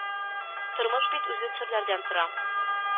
Тормыш бит үзе серләрдән тора